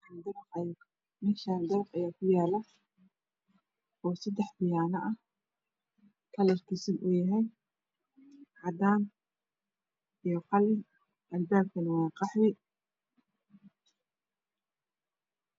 Meshan dabaq aya kuyalo oo sedax biyano ah kalarkis oow yahay cadan io qalin albabkan waa qaxwi